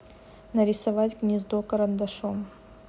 нарисовать гнездо карандашом